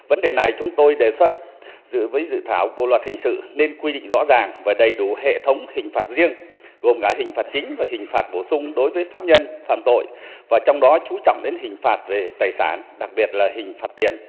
vấn đề này chúng tôi đề xuất dự với dự thảo bộ luật hình sự nên quy định rõ ràng và đầy đủ hệ thống hình phạt riêng gồm cả hình phạt chính và hình phạt bổ sung đối với pháp nhân phạm tội và trong đó chú trọng đến hình phạt về tài sản đặc biệt là hình phạt tiền